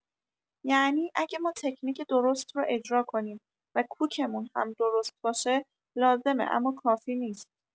یعنی اگه ما تکنیک درست رو اجرا کنیم و کوکمون هم درست باشه، لازمه اما کافی نیست.